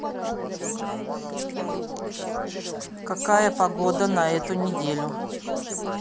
какая погода на эту неделю